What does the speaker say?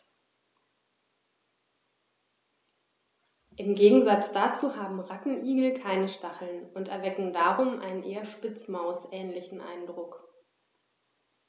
Im Gegensatz dazu haben Rattenigel keine Stacheln und erwecken darum einen eher Spitzmaus-ähnlichen Eindruck.